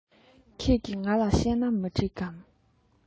ཁྱེད ཀྱི ང ལ གཤད ན མི གྲིག གམ